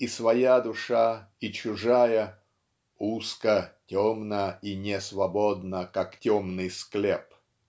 И своя душа, и чужая "узка, темна и несвободна, как темный склеп".